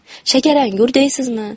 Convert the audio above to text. shakarangur deysizmi